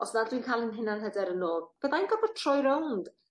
os nad dwi'n ca'l y hunanhyder yn ôl fyddai'n gorfod troi rownd